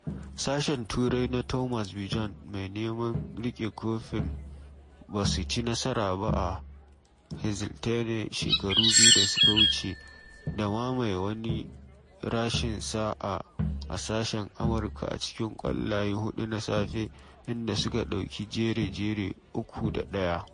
Sashen Turai na Thomas Bjorn, mai neman riƙe kofin ba su ci nasara ba a Hazeltine shekaru biyu da suka wuce, da mamaye wani rashin sa’a a sashen Amurka a cikin ƙwallaye huɗu na safe, inda suka ɗauki jere-jere 3 da 1.